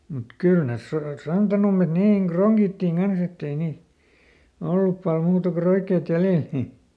mutta kyllä ne - santanummet niin kronkittiin kanssa että ei niin ollut paljon muuta kuin roikkeet jäljellä niistä